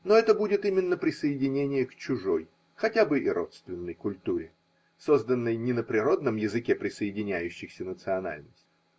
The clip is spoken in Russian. но это будет именно присоединение к чужой (хотя бы и родственной) культуре, созданной не на природном языке присоединяющихся национальностей.